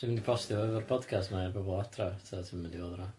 Ti'n mynd i postio fo efo'r podcast 'ma i'r bobl adra ta ti'm mynd i foddran?